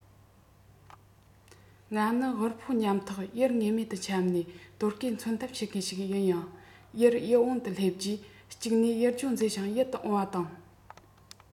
ང ནི དབུལ ཕོངས ཉམས ཐག ཡུལ ངེས མེད དུ འཁྱམས ནས ལྟོ གོས འཚོལ ཐབས བྱེད མཁན ཞིག ཡིན ཡང ཡུལ ཡིད འོང དུ སླེབས རྗེས གཅིག ནས ཡུལ ལྗོངས མཛེས ཤིང ཡིད དུ འོང བ དང